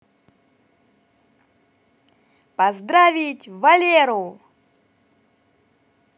поздравить валеру